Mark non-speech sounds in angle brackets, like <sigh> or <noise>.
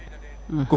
<hesitation> <hesitation>